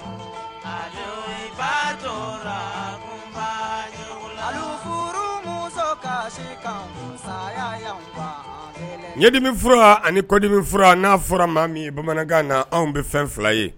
Di anidi na fɔra maa min bamanankan na anw bɛ fɛn fila ye